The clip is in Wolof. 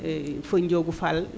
feu Ndiogou Fall